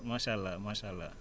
macha allah macha allah